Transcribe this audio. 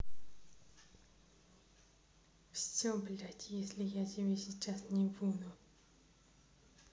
все блядь если я тебе сейчас не буду